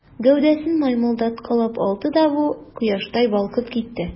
Гәүдәсен мыймылдаткалап алды да бу, кояштай балкып китте.